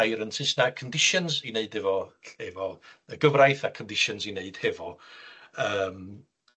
air yn Sysnag, conditions i wneud efo efo yy gyfraith a conditions i neud hefo yym